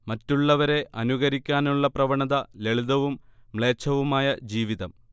മറ്റുള്ളവരെ അനുകരിക്കാനുള്ള പ്രവണത ലളിതവും മ്ലേച്ഛവുമായ ജീവിതം